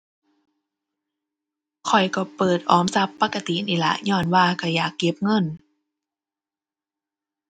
ข้อยก็เปิดออมทรัพย์ปกตินี่ล่ะ ญ้อนว่าก็อยากเก็บเงิน